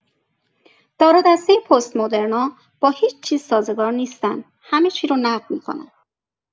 دار و دسته پست‌مدرنا با هیچ‌چیز سازگار نیستن، همه چی رو نقد می‌کنن!